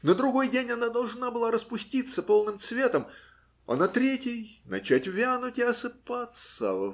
на другой день она должна была распуститься полным цветом, а на третий начать вянуть и осыпаться.